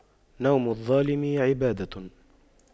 نوم الظالم عبادة